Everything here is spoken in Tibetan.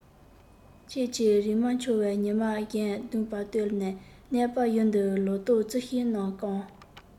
ཁྱིད ཀྱི རིན མ འཁྱོངས བས ཉི མ ཞག བདུན བར སྟོད ལ མནན པས ཡུལ འདིའི ལོ ཏོག རྩི ཤིང རྣམས བསྐམས